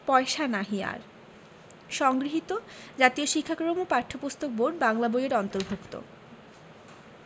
পয়সা নাহি আর সংগৃহীত জাতীয় শিক্ষাক্রম ও পাঠ্যপুস্তক বোর্ড বাংলা বই এর অন্তর্ভুক্ত